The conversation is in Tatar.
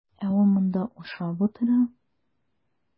Ә ул монда ашап утыра.